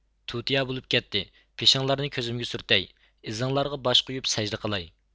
تۇتىيا بولۇپ كەتتى پېشىڭلارنى كۆزۈمگە سۈرتەي ئىزىڭلارغا باش قويۇپ سەجدە قىلاي